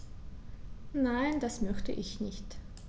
Nein, das möchte ich nicht.